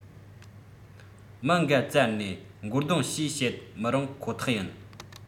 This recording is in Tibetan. མི འགའ བཙལ ནས མགོ སྡུང ཞེས བཤད མི རུང ཁོ ཐག ཡིན